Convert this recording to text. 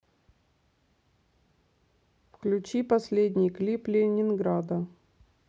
включи последний клип ленинграда